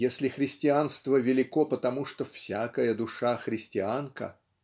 Если христианство велико потому, что "всякая душа - христианка"